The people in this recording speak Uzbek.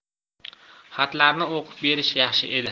xatlarni o'qib berish yaxshi edi